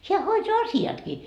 hän hoitaa asiatkin